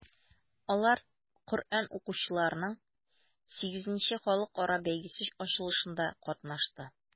Алар Коръән укучыларның VIII халыкара бәйгесе ачылышында катнашты.